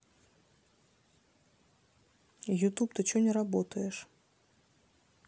ютуб ты че не работаешь